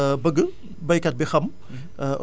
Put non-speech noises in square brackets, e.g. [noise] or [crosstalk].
[hesitation] bëgg béykat bi xam